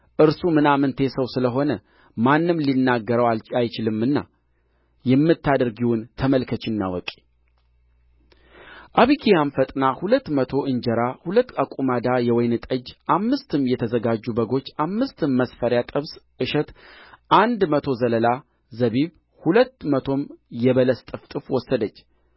እርሱ ምናምንቴ ሰው ስለ ሆነ ማንም ሊናገረው አይችልምና የምታደርጊውን ተመልከቺና እወቂ አቢግያም ፈጥና ሁለት መቶ እንጀራ ሁለት አቁማዳ የወይን ጠጅ አምስትም የተዘጋጁ በጎች አምስትም መስፈሪያ ጥብስ እሸት አንድ መቶ ዘለላ ዘቢብ ሁለት መቶም የበለስ ጥፍጥፍ ወሰደች